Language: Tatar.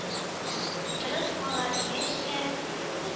Утырып кала дигәч тә